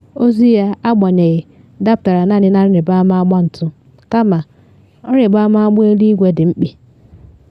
Ozi ya, agbanyeghị, dapụtara naanị n’otu nrịbama agba ntụ, kama nrịbama agba eluigwe dị mkpị.